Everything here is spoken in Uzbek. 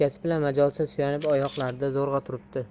yelkasi bilan majolsiz suyanib oyoqlarida zo'rg'a turibdi